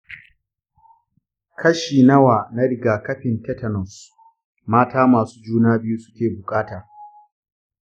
kashi nawa na rigakafin tetanus mata masu juna biyu suke buƙata?